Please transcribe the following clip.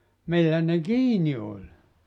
millä ne kiinni oli